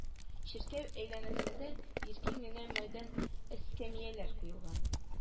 Чиркәү әйләнәсендә иркен генә мәйдан эскәмияләр куелган